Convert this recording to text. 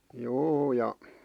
juu ja